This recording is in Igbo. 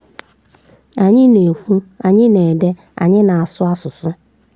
Anyị na-ekwu, anyị na-ede, anyị na-asụ asụsụ.